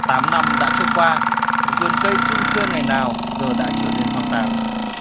tám năm đã trôi qua vườn cây sum xuê ngày nào giờ đã trở nên hoang tàn